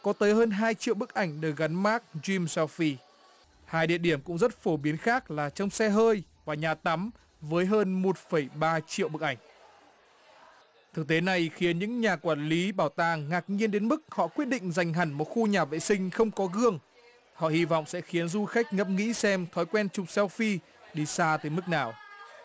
có tới hơn hai triệu bức ảnh được gắn mác dim seo phi hai địa điểm cũng rất phổ biến khác là trong xe hơi và nhà tắm với hơn một phẩy ba triệu bức ảnh thực tế này khiến những nhà quản lý bảo tàng ngạc nhiên đến mức họ quyết định dành hẳn một khu nhà vệ sinh không có gương họ hy vọng sẽ khiến du khách ngẫm nghĩ xem thói quen chụp seo phi đi xa tới mức nào